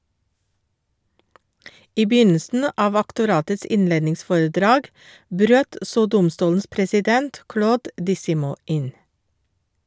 I begynnelsen av aktoratets innledningsforedrag brøt så domstolens president Claude Disimo inn.